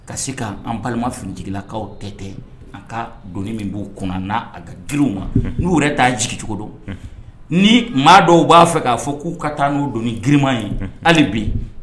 Ka se kaan balima flakaw tɛ tɛ an ka don min b'o kɔnɔ n' a ka gw ma n' yɛrɛ t' jigi cogo don ni maa dɔw b'a fɛ k'a fɔ k'u ka taa n'u don giirima ye hali bi yen